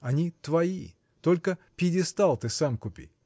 они – твои: только пьедестал ты сам купи.